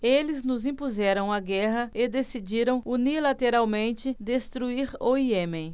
eles nos impuseram a guerra e decidiram unilateralmente destruir o iêmen